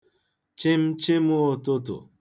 chịmchịm ụ̄tụ̄tụ̀